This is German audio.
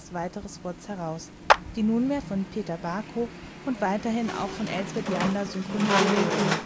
heraus, die nunmehr von Peter Barkow und weiterhin auch von Elsbeth Janda synchronisiert wurden